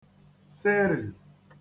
serì